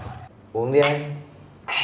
uống đi em